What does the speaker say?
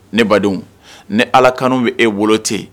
Ne badenw ni ala kan bɛ e wolo tɛ